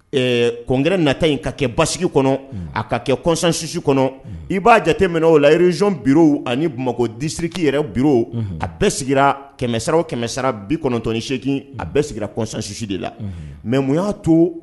Kɔnkɛ nata yen ka kɛ basigi kɔnɔ a ka kɛ kɔsansu kɔnɔ i b'a jate min o la rez bi ani bamakɔ disiriki yɛrɛ bi a bɛɛ kɛmɛsaraw kɛmɛsaraw bitɔnɔnin8egin a bɛ kɔsansu de la mɛ mun y'a to